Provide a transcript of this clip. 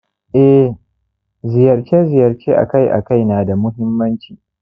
eh, ziyarce-ziyarce akai-akai na da muhimmanci